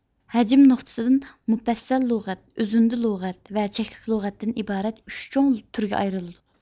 ھەجىم نۇقتىسىدىن مۇپەسسەل لۇغەت ئۈزۈندە لۇغەت ۋە چەكلىك لۇغەتتىن ئىبارەت ئۈچ چوڭ تۈرگە ئايرىلىدۇ